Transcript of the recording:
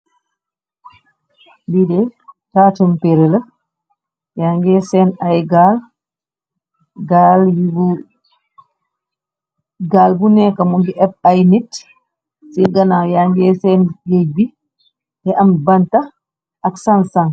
liide taatum pere la ya ngee seen ay gagaal bu nekkamo ngi ep ay nit ci ganaaw ya nge seen yéej bi te am bantax ak san-sa